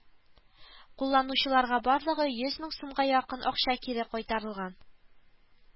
Кулланучыларга барлыгы йөз мең сумга якын акча кире кайтарылган